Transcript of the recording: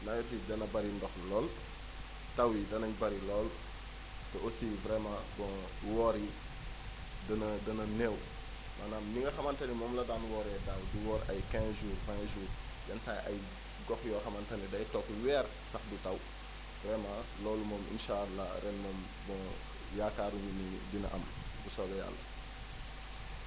nawet bi dana bëri ndox lool taw yi danañ bëri lool te aussi vraiment bon woor yi dana dana néew maanaam ni nga xamante ni moom la daan wooree daaw di woor ay 15 jours 20 jours yenn saa yi ay gox yoo xamante ni day toog weer sax du taw vraiment loolu moom incha allah ren moom bon yaakaaruñu ni dina am bu soobee yàlla